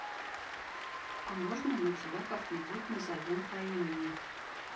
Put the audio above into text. а можно мы тебя как нибудь назовем по имени